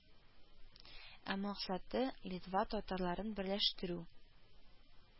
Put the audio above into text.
Ә максаты Литва татарларын берләштерү